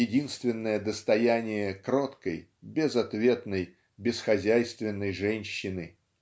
единственное достояние кроткой безответной бесхозяйственной женщины